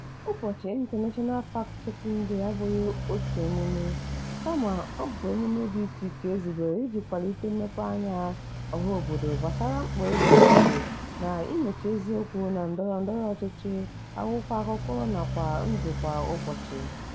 Ụbọchị International Fact-Checking Day abụghị otu emume, kama ọ bụ emume dị icheiche e zubere iji kwalite mmepeanya ọhaobodo gbasara mkpa eziokwu dị — na inyocha eziokwu - na ndọrọndọrọ ọchịchị, akwụkwọ akụkọ, nakwa ndụ kwa ụbọchị.